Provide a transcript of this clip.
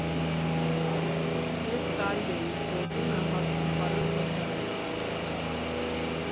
Վեց տարի է, ինչ գործում է հացթուխարան֊սրճարանը։